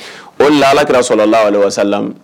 O lakira sɔrɔla lawale walasasa